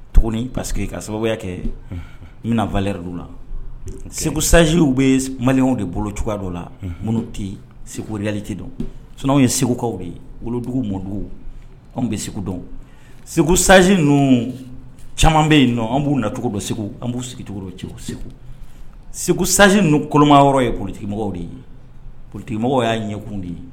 Tuguni paseke que ka sababuya kɛ n bɛnafalɛ la segu sajiw bɛ maliw de bolo cogoya dɔ la minnu tɛ yen seguyali tɛ dɔn sow ye segukaw de ye wolodugu mɔdugu anw bɛ segu dɔn segu saji ninnu caman bɛ yen nɔ an b'u nacogo don segu an b'u sigicogo don cogo segu segu saji ninnu koloma yɔrɔ ye politigimɔgɔ de ye politigimɔgɔ y'a ɲɛkun de ye